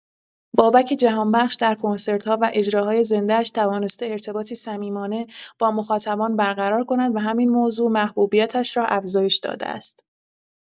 بابک جهانبخش در کنسرت‌ها و اجراهای زنده‌اش توانسته ارتباطی صمیمانه با مخاطبان برقرار کند و همین موضوع محبوبیتش را افزایش داده است.